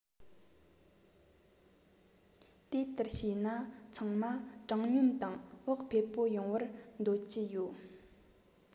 དེ ལྟར བྱས ན ཚང མ དྲང སྙོམས དང བག ཕེབས པོ ཡོང བར འདོད ཀྱི ཡོད